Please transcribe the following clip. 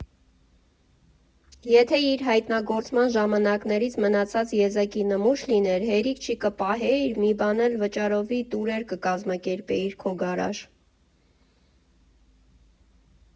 ֊ Եթե իր հայտնագործման ժամանակներից մնացած եզակի նմուշ լիներ, հերիք չի կպահեիր, մի բան էլ վճարովի տուրեր կկազմակերպեիր քո գարաժ։